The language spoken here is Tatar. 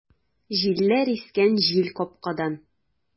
Җилләр искән җилкапкадан!